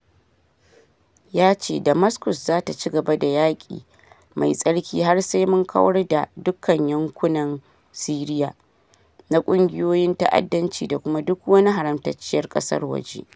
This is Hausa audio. Ya ce Damascus za ta ci gaba da ""yaƙi mai tsarki har sai mun kawar da dukkan yankunan Siriya" na ƙungiyoyin ta'addanci da kuma "duk wani haramtacciyar ƙasar waje."